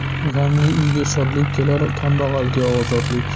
g'amli uyga shodlik kelar kambag'alga ozodlik